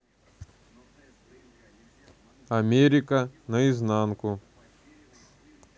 америка наизнанку